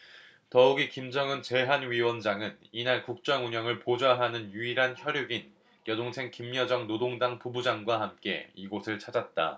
더욱이 김정은 제 한 위원장은 이날 국정운영을 보좌하는 유일한 혈육인 여동생 김여정 노동당 부부장과 함께 이곳을 찾았다